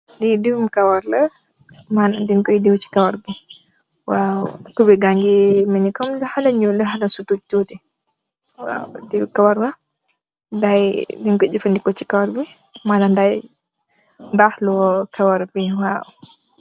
Li dewi karaw la manam den koi dew si karaw waw kuber magi melni lu nuul lu hala soti tuti waw dew karaw la gaay nyun koi jefendeko si karaw bi manam daay bakx lu karaw bi waw.